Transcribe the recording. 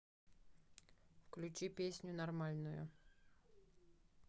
включи песню нормальную